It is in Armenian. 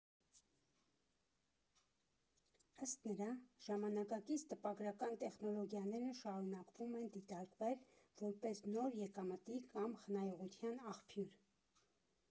Ըստ նրա՝ ժամանակակից տպագրական տեխնոլոգիաները շարունակվում են դիտարկվել որպես նոր եկամտի կամ խնայողության աղբյուր։